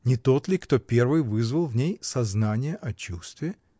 — Не тот ли, кто первый вызвал в ней сознание о чувстве?